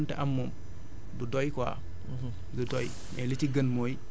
am na solo waaw bu dee moom loo ci mën a am moom du doy quoi